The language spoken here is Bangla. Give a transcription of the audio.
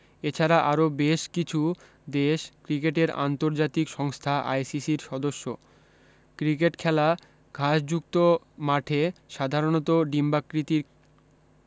এছাড়া আরো বেশ কিছু দেশ ক্রিকেটের আন্তর্জাতিক সংস্থা আইসিসির সদস্য ক্রিকেট খেলা ঘাস্যুক্ত মাঠে সাধারণত ডিম্বাকৃতির